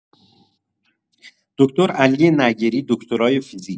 دکتر علی نیری دکترای فیزیک